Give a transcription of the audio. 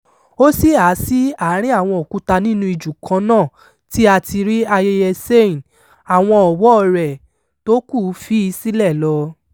Ó sì há sí àárín àwọn òkúta nínú ijù kan náà tí a ti rí Ayeyar Sein, àwọn ọ̀wọ́ọ rẹ̀ tó kù fi í sílẹ̀ lọ.